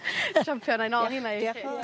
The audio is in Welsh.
champion 'nai nôl .